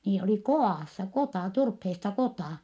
niillä oli kodassa kota turpeesta kota